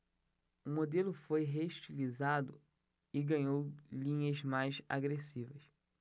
o modelo foi reestilizado e ganhou linhas mais agressivas